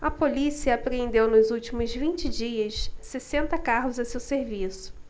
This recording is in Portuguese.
a polícia apreendeu nos últimos vinte dias sessenta carros a seu serviço